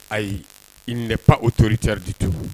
Ayi il n'est autoritaire du tout